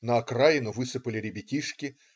На окраину высыпали ребятишки.